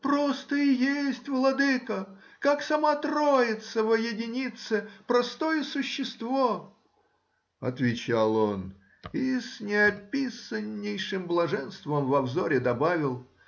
— Просто и есть, владыко, как сама троица во единице — простое существо,— отвечал он и с неописаннейшим блаженством во взоре добавил